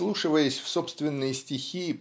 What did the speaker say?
вслушиваясь в собственные стихи